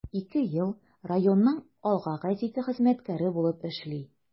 Ике ел районның “Алга” гәзите хезмәткәре булып эшли.